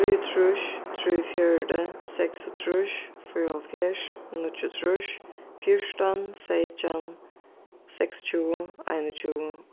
trýogtrýss trýogfjøruti seksogtrýss fýraoghálvfjerðs níggjuogtrýss fjúrtan seytjan seksogtjúgu einogtjúgu